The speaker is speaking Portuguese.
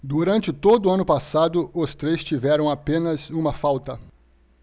durante todo o ano passado os três tiveram apenas uma falta